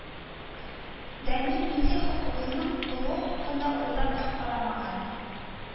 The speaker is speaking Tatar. Дәни, милли хокукымызның булуы хакында уйлап та карамаган